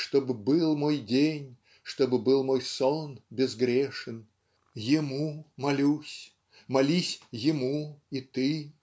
Чтоб был мой день, чтоб был мой сон безгрешен, Ему молюсь, молись Ему и ты.